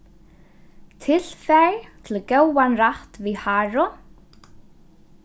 tilfar til góðan rætt við haru